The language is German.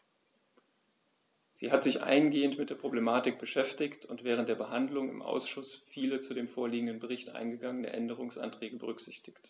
Sie hat sich eingehend mit der Problematik beschäftigt und während der Behandlung im Ausschuss viele zu dem vorliegenden Bericht eingegangene Änderungsanträge berücksichtigt.